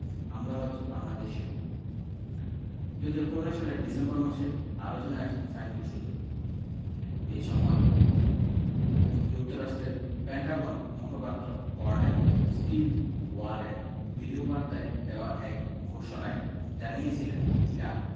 হামলা হয়েছে বাংলাদেশেও ২০১৫ সালের ডিসেম্বর মাসে আলোচনায় আসেন সাইফুল সুজন ওই সময় যুক্তরাষ্টের পেন্টাগন মুখপাত্র কর্নেল স্টিভ ওয়ারেন ভিডিওবার্তায় দেওয়া এক ঘোষণায় জানিয়েছিলেন ইরাক